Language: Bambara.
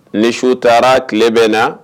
Ni su taara tile bɛ na